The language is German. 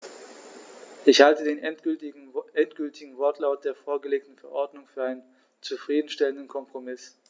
Ich halte den endgültigen Wortlaut der vorgelegten Verordnung für einen zufrieden stellenden Kompromiss.